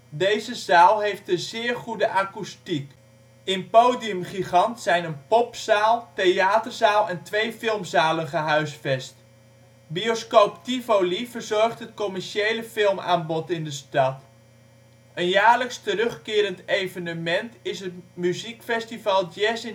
deze zaal heeft een zeer goede akoestiek. In Podium Gigant zijn een popzaal, theaterzaal en twee filmzalen gehuisvest. Bioscoop Tivoli verzorgt het commerciële filmaanbod in de stad. Een jaarlijks terugkerend evenement is het muziekfestival Jazz